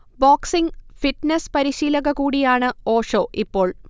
boxing, fitness പരിശീലക കൂടിയാണ് ഓഷോ ഇപ്പോൾ